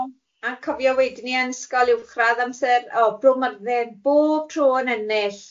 A cofio wedyn ni yn ysgol uwchradd amser o Bro Myrddin bob tro yn ennill.